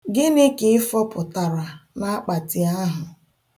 Gịnị ka ịfọpụtara n'akpati ahụ?